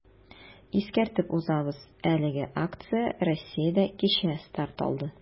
Искәртеп узабыз, әлеге акция Россиядә кичә старт алды.